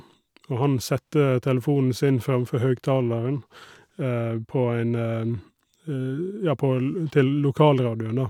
Og han satte telefonen sin framfor høgtaleren, på en, ja, på l til lokalradioen, da.